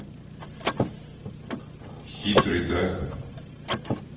хитрый да